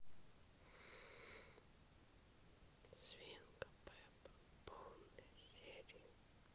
свинка пеппа полные серии